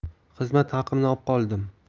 xizmat haqimni opqoldim